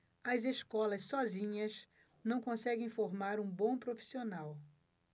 as escolas sozinhas não conseguem formar um bom profissional